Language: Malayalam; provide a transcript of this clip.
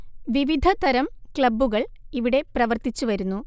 വിവധതരം ക്ലബ്ബുകൾ ഇവിടെ പ്രവർത്തിച്ച് വരുന്നു